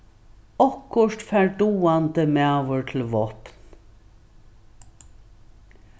okkurt fær dugandi maður til vápn